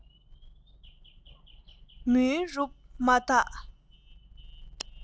མུན རུབ མ ཐག